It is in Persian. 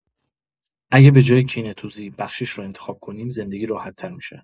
اگه به‌جای کینه‌توزی، بخشش رو انتخاب کنیم، زندگی راحت‌تر می‌شه.